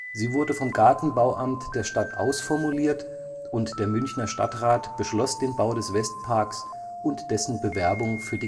Sie wurde vom Gartenbauamt der Stadt ausformuliert und der Münchner Stadtrat beschloss den Bau des Westparks und dessen Bewerbung für